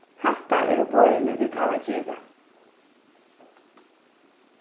hatta eru boðini vit hava givið